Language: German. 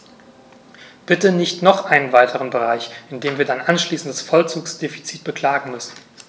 Bitte nicht noch einen weiteren Bereich, in dem wir dann anschließend das Vollzugsdefizit beklagen müssen.